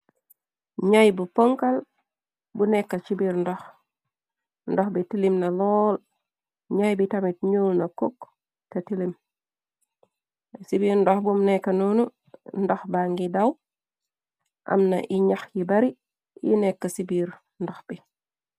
Naiy bu ponkal bu nekk ci biir ndox ndox bi tilim na lool ñay bi tamit ñuol na cook te tilim sibiir ndox bum nekk noonu ndox ba ngi daw am na i ñax yi bari yi nekk sibiir ndox bi.